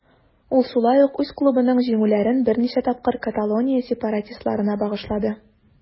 Ул шулай ук үз клубының җиңүләрен берничә тапкыр Каталония сепаратистларына багышлады.